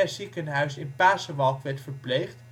ziekenhuis in Pasewalk werd verpleegd